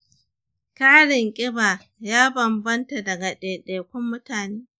ƙarin ƙiba ya bam-banta daga ɗai-ɗai kun mutane